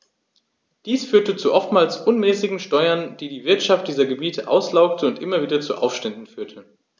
Dies führte zu oftmals unmäßigen Steuern, die die Wirtschaft dieser Gebiete auslaugte und immer wieder zu Aufständen führte.